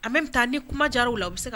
An bɛ taa ni kuma jararaww la a bɛ se